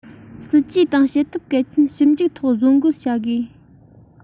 སྲིད ཇུས དང བྱེད ཐབས གལ ཆེན ཞིབ འཇུག ཐོག བཟོ འགོད བྱ དགོས